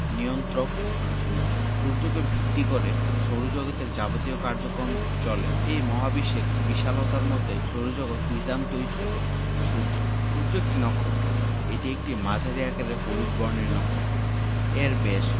নিয়ন্ত্রক হলো সূর্য সূর্যকে ভিত্তি করে সৌরজগতের যাবতীয় কাজকর্ম চলে এই মহাবিশ্বের বিশালতার মধ্যে সৌরজগৎ নিতান্তই ছোট সূর্য সূর্য একটি নক্ষত্র এটি একটি মাঝারি আকারের হলুদ বর্ণের নক্ষত্র এর ব্যাস